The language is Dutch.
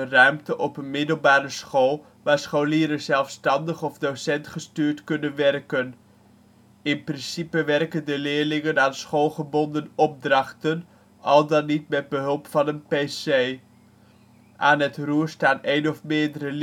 ruimte op een (middelbare) school waar scholieren zelfstandig of docentgestuurd kunnen werken. In principe werken de leerlingen aan schoolgebonden opdrachten, al dan niet met behulp van een pc. Aan het roer staan één of meerdere leerpleinbeheerders/toezichthouders